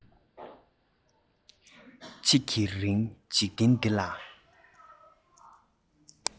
གཅིག གི རིང འཇིག རྟེན འདི ལ